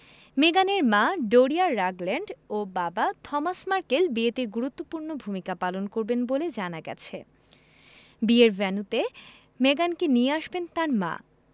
মেগানের মা Doria Ragland ও বাবা থমাস মার্কেল বিয়েতে গুরুত্বপূর্ণ ভূমিকা পালন করবেন বলে জানা গেছে বিয়ের ভেন্যুতে মেগানকে নিয়ে আসবেন তাঁর মা